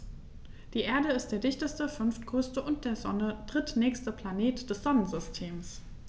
Die Erde ist der dichteste, fünftgrößte und der Sonne drittnächste Planet des Sonnensystems.